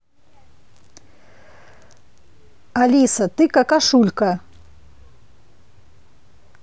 алиса ты какашулька